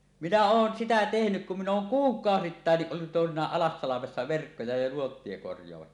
minä olen sitä tehnyt kun minä olen kuukausittainkin ollut toisinaan Alassalmessa verkkoja ja nuottia korjaamassa